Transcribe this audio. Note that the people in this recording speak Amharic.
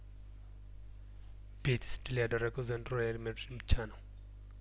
ቤቲስ ድል ያደረገው ዘንድሮ ሪያል ማድሪድን ብቻ ነው